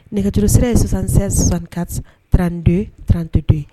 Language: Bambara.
Nɛgɛ juru sira ye 76 64 32 32 .